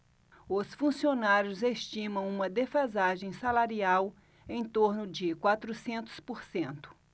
os funcionários estimam uma defasagem salarial em torno de quatrocentos por cento